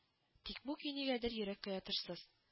Тик бу көй нигәдер йөрәккә ятышсыз